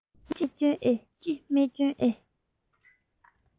ཅི མི སྐྱོན ཨེ ཅི མི སྐྱོན ཨེ